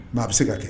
Mɛ a bɛ se ka kɛ